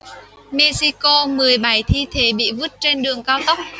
mexico mười bảy thi thể bị vứt trên đường cao tốc